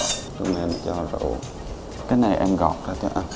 nêm cho đủ cái này em gọt ra cho anh